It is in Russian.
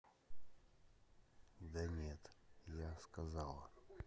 да нет я сказала